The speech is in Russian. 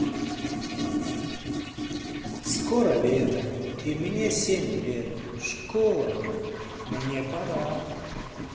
скоро лето и мне семь лет школа мне пора